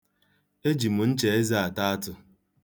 Eji m ncha eze ata atụ.